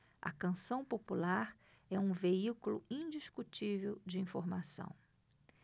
a canção popular é um veículo indiscutível de informação